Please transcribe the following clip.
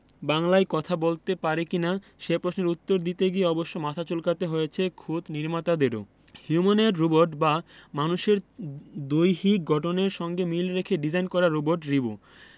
বাংলায় কথা বলতে পারে কি না সে প্রশ্নের উত্তর দিতে গিয়ে অবশ্য মাথা চুলকাতে হয়েছে খোদ নির্মাতাদেরও হিউম্যানোয়েড রোবট বা মানুষের দৈহিক গঠনের সঙ্গে মিল রেখে ডিজাইন করা রোবট রিবো